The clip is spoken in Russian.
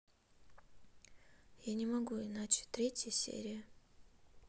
я не могу иначе третья серия